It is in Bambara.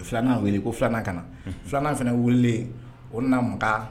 Filanan wele ko filanan ka filanan fana wele o makan